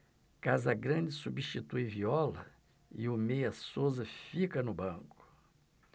casagrande substitui viola e o meia souza fica no banco